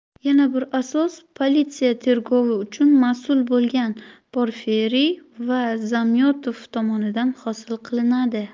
yana bir asos politsiya tergovi uchun masul bo'lgan porfiriy va zamyotov tomonidan hosil qilinadi